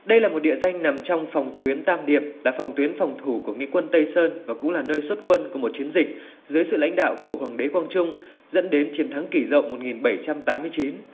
đây là một địa danh nằm trong phòng tuyến tam điệp là phòng tuyến phòng thủ của nghĩa quân tây sơn và cũng là nơi xuất quân của một chiến dịch dưới sự lãnh đạo của hoàng đế quang trung dẫn đến chiến thắng kỷ dậu một nghìn bảy trăm tám mươi chín